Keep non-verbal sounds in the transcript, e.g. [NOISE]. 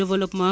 [HESITATION] [HESITATION]